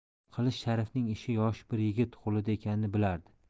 qilich sharifning ishi yosh bir yigit qo'lida ekanini bilardi